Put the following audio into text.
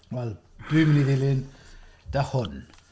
Wel, dwi'n mynd i ddilyn 'da hwn.